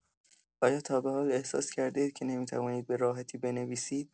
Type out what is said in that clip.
آیا تا به حال احساس کرده‌اید که نمی‌توانید به راحتی بنویسید؟